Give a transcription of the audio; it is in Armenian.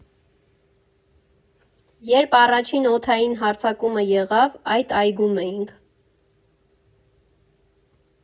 Երբ առաջին օդային հարձակումը եղավ, այդ այգում էինք։